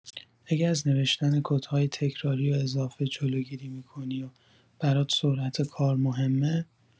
اگه از نوشتن کدهای تکراری و اضافه جلوگیری می‌کنی و برات سرعت کار مهمه